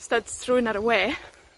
styds trwyn ar y we,